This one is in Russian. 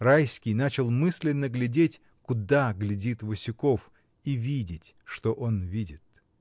Райский начал мысленно глядеть, куда глядит Васюков, и видеть, что он видит.